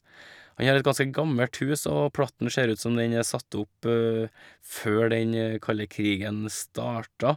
Han har et ganske gammelt hus og platten ser ut som den er satt opp før den kalde krigen starta.